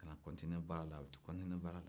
a nana kontine baara la ka kontine baara la